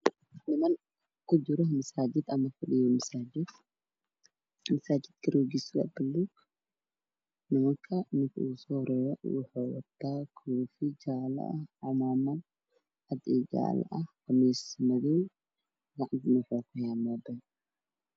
Niman ku jiro masaajid ama fadhiyo masaajid ka masaajidka roogiisu waa cagaar ninka ugu soo horreeyo wuxuu wataa shati cadaan ah